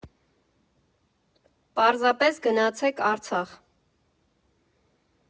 Պարզապես գնացեք Արցախ։